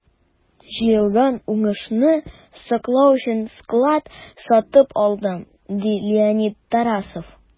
Җыелган уңышны саклау өчен склад сатып алдым, - ди Леонид Тарасов.